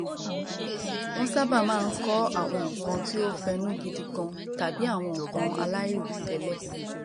Wọ́n sábà máa ń kọ́ àwọn nǹkan tí ó fẹnú gidi gan tàbí àwọn nǹkan aláìròtẹ́lẹ̀.